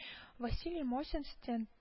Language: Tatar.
Василий Мосин стен